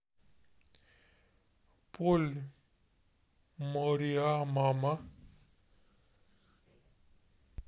поль мориа мама